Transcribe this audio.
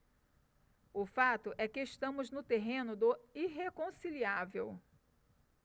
o fato é que estamos no terreno do irreconciliável